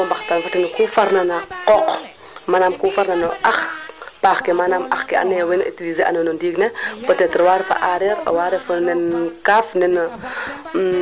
no yengole i mbamirit na xenda na nuun o yong jam xenda na nuun ndiing jam soom kon i ndoka no ndiing ne no bismila raxmani raxim to faaxa roog fo yirmande um